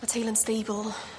Ma' Taylo'n stable.